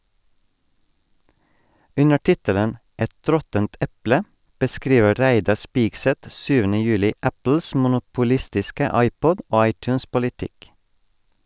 Under tittelen «Et råttent eple» beskriver Reidar Spigseth 7. juli Apples monopolistiske iPod- og iTunes-politikk.